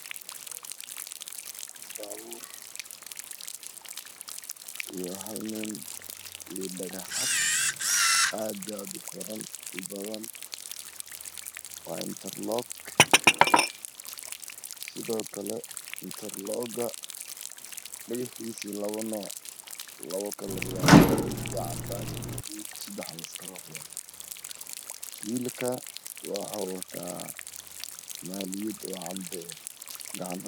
Baabuur iyo hal nin iyo dhagaxad aad iyo aad uqurux badan waa interlog sidoo kaleh interloga midabkiis waa labo kalar waa madaw iyo cadaan iyo gaduud wiilka waxa uu wataa maaliyada oo cambe eh